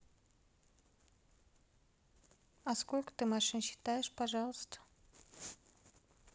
а сколько ты машин считаешь пожалуйста